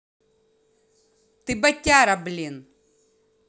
ты ботяра блин